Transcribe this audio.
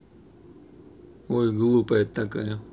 ой глупая такая